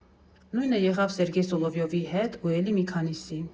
Նույնը եղավ Սերգեյ Սոլովյովի հետ ու էլի մի քանիսի։